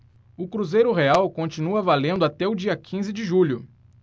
o cruzeiro real continua valendo até o dia quinze de julho